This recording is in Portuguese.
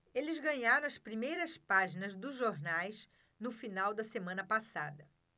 eles ganharam as primeiras páginas dos jornais do final da semana passada